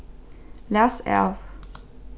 læs av